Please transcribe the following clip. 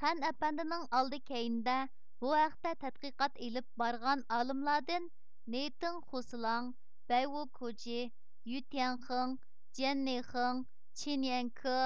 خەن ئەپەندىنىڭ ئالدى كەينىدە بۇ ھەقتە تەتقىقات ئېلىپ بارغان ئالىملاردىن نېيتىڭ خۇسىلاڭ بەيۋۇكۇجى يۈتيەنخېڭ جيەننېيخېڭ چېنيەنكې